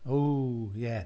W ie.